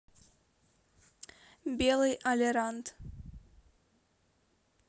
белый олеандр